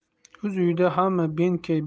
o'z uyida hamma benkey